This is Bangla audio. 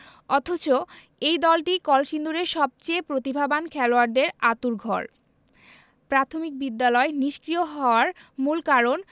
অথচ এই দলটিই কলসিন্দুরের সবচেয়ে প্রতিভাবান খেলোয়াড়দের আঁতুড়ঘর প্রাথমিক বিদ্যালয় নিষ্ক্রিয় হওয়ার মূল কারণ